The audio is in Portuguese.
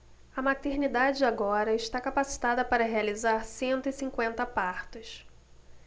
a maternidade agora está capacitada para realizar cento e cinquenta partos